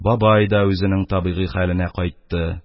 Бабай да үзенең табигый хәленә кайтты